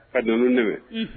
A donna nɛ